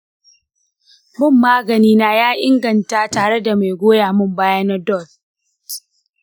bin maganina ya inganta tare da mai goya min baya na dots.